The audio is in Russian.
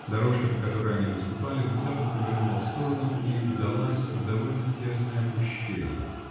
Дорожка, по которой они выступали, внезапно повернула в сторону и вдалась в довольно тесное ущелье.